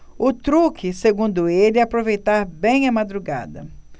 o truque segundo ele é aproveitar bem a madrugada